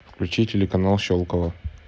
включи телеканал щелково